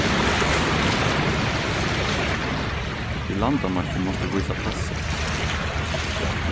við landamarkið mást tú vísa passið